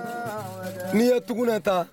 N'i ye tuguɛ ta